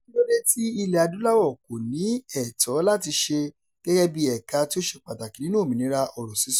Kí ló dé tí Ilẹ̀-Adúláwọ̀ kò ní ẹ̀tọ́ láti ṣẹ̀ gẹ́gẹ́ bí ẹ̀ka tí ó ṣe pàtàkì nínú òmìnira ọ̀rọ̀ sísọ?